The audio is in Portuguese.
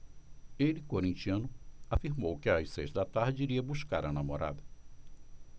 ele corintiano afirmou que às seis da tarde iria buscar a namorada